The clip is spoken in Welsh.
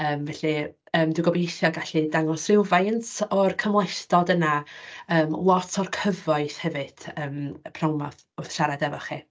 Yym felly, yym dwi'n gobeithio gallu dangos rhywfaint o'r cymhlethdod yna, yym lot o'r cyfoeth hefyd, yym pnawn 'ma wrth siarad efo chi.